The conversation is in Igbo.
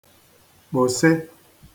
kpòse